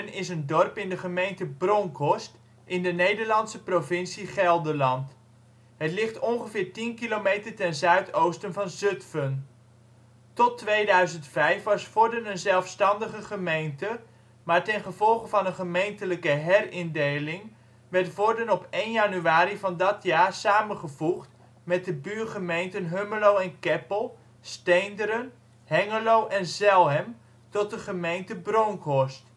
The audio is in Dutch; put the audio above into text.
is een dorp in de gemeente Bronckhorst in de Nederlandse provincie Gelderland. Het ligt ongeveer 10 km ten zuidoosten van Zutphen. Tot 2005 was Vorden een zelfstandige gemeente, maar ten gevolge van een gemeentelijke herindeling werd Vorden op 1 januari van dat jaar samengevoegd met de buurgemeenten Hummelo en Keppel, Steenderen, Hengelo en Zelhem tot de gemeente Bronckhorst